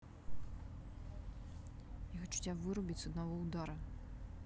я хочу тебя вырубить с одного удара